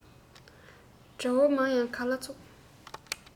དགྲ བོ མང ཡང ག ལ ཚུགས